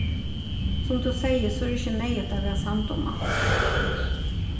sum tú segði so er ikki neyðugt at vera samd um alt